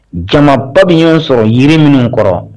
Jamaba bɛ' sɔrɔ yiri minnu kɔrɔ